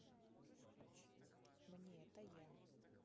мне это я